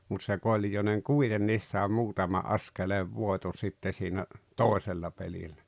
mutta se Koljonen kuitenkin sai muutaman askeleen voiton sitten siinä toisella pelillä